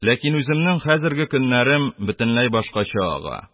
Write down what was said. Ләкин үземнең хәзерге көннәрем бөтенләй башкача ага;